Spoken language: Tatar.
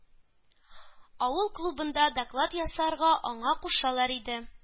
Авыл клубында доклад ясарга аңа кушалар иде.